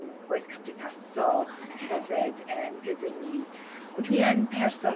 ee gwaith cymdeithasol hefyd eem gyda ni. Dwi yn person